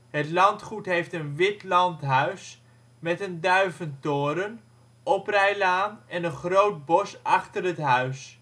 Het landgoed heeft een wit landhuis met een duiventoren, oprijlaan en een groot bos achter het huis